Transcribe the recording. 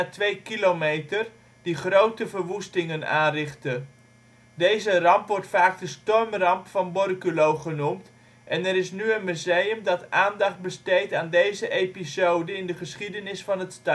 twee kilometer die grote verwoestingen aanrichtte. Deze ramp wordt vaak de Stormramp van Borculo genoemd en er is nu een museum dat aandacht besteedt aan deze episode in de geschiedenis van het